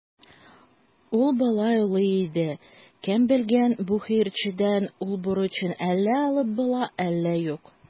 Ул болай уйлый иде: «Кем белгән, бу хәерчедән ул бурычны әллә алып була, әллә юк".